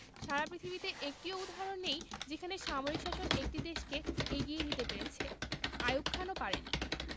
সারা পৃথিবীতে একটিও উদাহরণ নেই যেখানে সামরিক শাসন একটি দেশকে এগিয়ে নিতে পেরেছে আইয়ুব খানও পারে নি